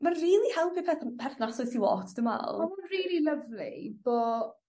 ma'n rili helpu peth- perthnase ti lot dwi me'wl. O ma'n rili lyfli bo'